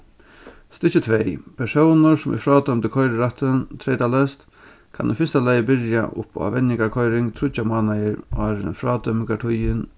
stykki tvey persónar sum eru frádømdir koyrirættin treytaleyst kann í fyrsta lagi byrja upp á venjingarkoyring tríggjar mánaðir áðrenn frádømingartíðin